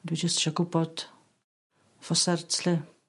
dwi jyst isio gwbod for cert 'lly.